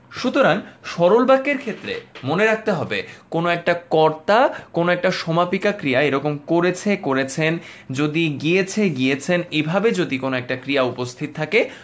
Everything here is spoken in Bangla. সুতরাং সরল বাক্যের ক্ষেত্রে মনে রাখতে হবে কোন একটা কর্তা কোন একটা সমাপিকা ক্রিয়া এরকম করেছে করেছেন যদি গিয়েছে গিয়েছেন এভাবে যদি কোন একটা ক্রিয়া উপস্থিত থাকে